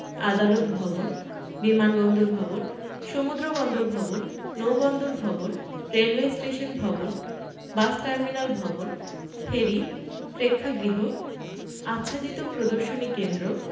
আদালত ভবন বিমানবন্দর ভবন সমুদ্র বন্দর ভবন নৌ বন্দর ভবন রেলওয়ে স্টেশন ভবন বাস টার্মিনাল ভবন ফেরি প্রেক্ষাগৃহ আচ্ছাদিত প্রদর্শনী কেন্দ্র